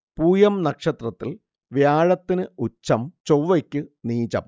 പൂയം നക്ഷത്രത്തിൽ വ്യഴത്തിന് ഉച്ചം ചൊവ്വയ്ക്ക് നീചം